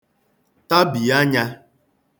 tabì anyā